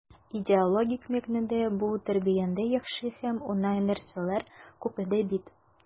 Идеологик мәгънәдә бу тәрбиядә яхшы һәм уңай нәрсәләр күп иде бит.